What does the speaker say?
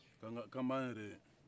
k'an b'an yɛrɛ ye